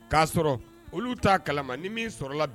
K'a sɔrɔ olu t'a kalama, ni min sɔrɔ la